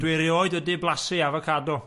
...dwi erioed wedi blasu avocado.